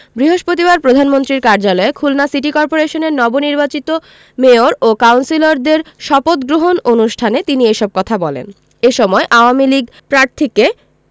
বৃহস্পতিবার প্রধানমন্ত্রীর কার্যালয়ে খুলনা সিটি কর্পোরেশনের নবনির্বাচিত মেয়র ও কাউন্সিলরদের শপথগ্রহণ অনুষ্ঠানে তিনি এসব কথা বলেন এ সময় আওয়ামী লীগ প্রার্থীকে